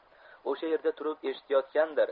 o'sha yerda turib eshitayotgandir